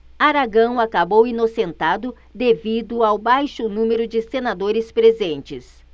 aragão acabou inocentado devido ao baixo número de senadores presentes